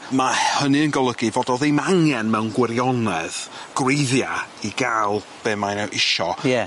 ma' hynny yn golygu fod o ddim angen mewn gwirionedd gwreiddia' i ga'l be' mae o'n isio... Ie.